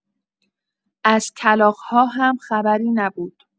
از کلاغ‌ها هم خبری نبود.